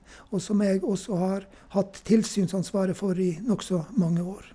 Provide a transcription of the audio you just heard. Og som jeg også har hatt tilsynsansvaret for i nokså mange år.